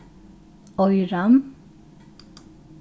oyran